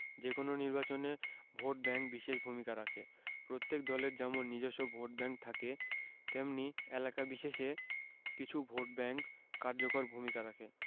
যেকোনো নির্বাচনে ভোটব্যাংক বিশেষ ভূমিকা রাখে প্রত্যেক দলের যেমন নিজস্ব ভোটব্যাংক থাকে তেমনি এলাকা বিশেষে কিছু ভোটব্যাংক কার্যকর ভূমিকা রাখে